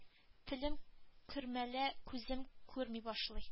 Телем көрмәлә күзем күрми башлый